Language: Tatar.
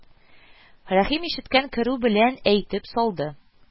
Рәхим ишектән керү белән әйтеп салды: